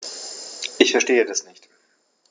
Ich verstehe das nicht.